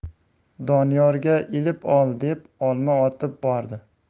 doniyorga ilib ol deb olma otib bordi